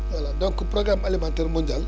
voilà donc programme alimentaire mondial